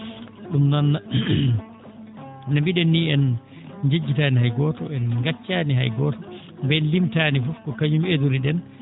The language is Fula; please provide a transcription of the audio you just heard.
Ɗum noon no mbiiɗen nii en njejjitaani hay gooto en ngaccaani hay gooto mo en limtaani fof ko kañum idoriɗen